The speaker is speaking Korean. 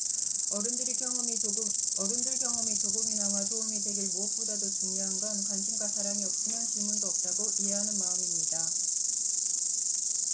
어른들 경험이 조금이나마 도움이 되길무엇보다 중요한 건 관심과 사랑이 없으면 질문도 없다고 이해하는 마음입니다